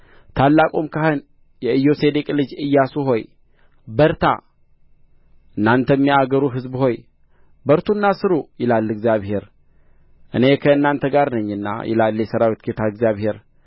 ታላቁም ካህን የኢዮሴዴቅ ልጅ ኢያሱ ሆይ በርታ እናንተም የአገሩ ሕዝብ ሆይ በርቱና ሥሩ ይላል እግዚአብሔር እኔ ከእናንተ ጋር ነኝና ይላል የሠራዊት ጌታ እግዚአብሔር